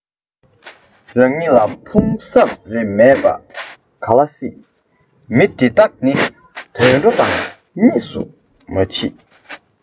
རང ཉིད ལ ཕུགས བསམ རེ མེད པ ག ལ སྲིད མི དེ དག ནི དུད འགྲོ དང གཉིས སུ མ མཆིས